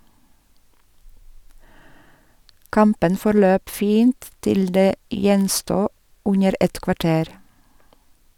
Kampen forløp fint til det gjensto under et kvarter.